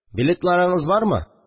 Билетларыңыз бармы